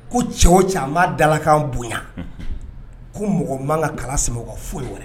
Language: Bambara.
Ko cɛw caman ma dalakan bonya ko mɔgɔ man ka kala se ka foyi wɛrɛ